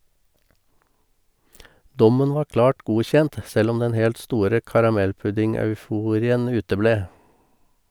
Dommen var klart godkjent , selv om den helt store karamellpudding-euforien uteble.